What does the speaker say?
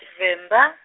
ḓi Venḓa.